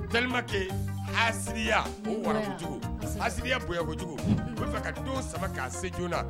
tellement que haasidiya, o warako jugu la, a bonyayanko jugu , u b'a fɛ ka don min ma se k'a se joona.